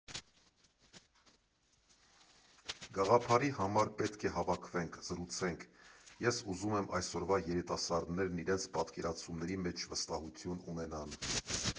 Գաղափարի համար պետք է հավաքվենք, զրուցենք, ես ուզում եմ այսօրվա երիտասարդներն իրենց պատկերացումների մեջ վստահություն ունենան։